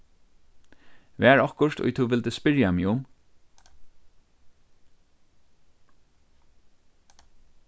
var okkurt ið tú vildi spyrja meg um